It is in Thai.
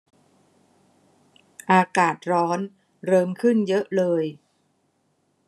อากาศร้อนเริมขึ้นเยอะเลย